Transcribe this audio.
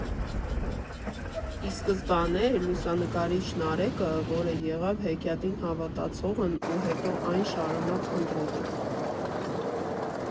Ի սկզբանե էր լուսանկարիչ Նարեկը, որը եղավ հեքիաթին հավատացողն ու հետո այն շարունակ փնտրողը։